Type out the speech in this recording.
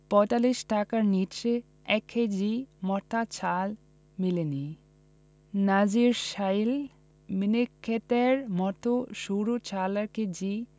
৪৫ টাকার নিচে ১ কেজি মোটা চাল মেলেনি নাজিরশাইল মিনিকেটের মতো সরু চালের কেজি